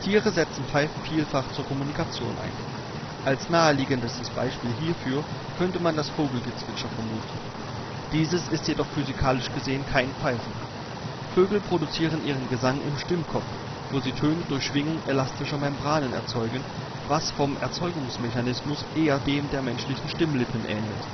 Tiere setzen Pfeifen vielfach zur Kommunikation ein. Als naheliegendestes Beispiel hierfür könnte man das Vogelgezwitscher vermuten. Dieses ist jedoch physikalisch gesehen kein Pfeifen. Vögel produzieren ihren Gesang im Stimmkopf (Syrinx), wo sie Töne durch Schwingung elastischer Membranen erzeugen, was vom Erzeugungsmechanismus eher dem der menschlichen Stimmlippen ähnelt.